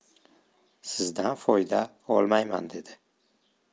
sizdan foyda olmayman dedi